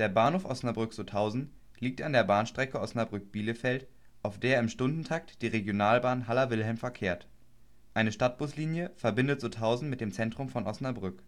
Bahnhof Osnabrück-Sutthausen liegt an der Bahnstrecke Osnabrück – Bielefeld (KBS 402), auf der im Stundentakt die Regionalbahn „ Haller Willem “RB 75 verkehrt. Eine Stadtbuslinie verbindet Sutthausen mit dem Zentrum von Osnabrück